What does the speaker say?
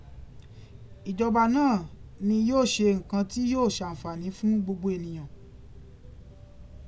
Ìjọ̀ba náà ni yóò ṣe nǹkan tí yóò ṣàǹfàní fún gbogbo ènìyàn.